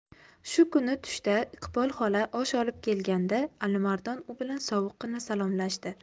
shu kuni tushda iqbol xola osh olib kelganda alimardon u bilan sovuqqina salomlashdi